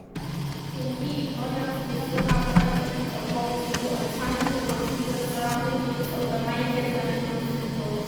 Indeed, lawyers may still have quite a bit of work to do to untangle the confusion surrounding the use of Jamaica's national symbols.